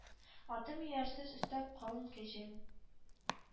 Атым — иярсез. Өстә — калын кәжән.